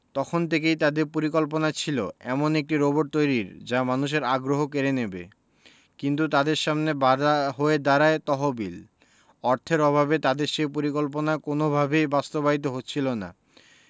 তখন থেকেই তাদের পরিকল্পনা ছিল এমন একটি রোবট তৈরির যা মানুষের আগ্রহ কেড়ে নেবে কিন্তু তাদের সামনে বাধা হয়ে দাঁড়ায় তহবিল অর্থের অভাবে তাদের সেই পরিকল্পনা কোনওভাবেই বাস্তবায়িত হচ্ছিল না